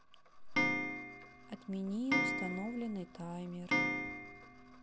отмени установленный таймер